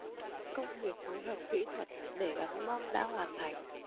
công việc phối hợp kỹ thuật để gắn bom đã hoàn thành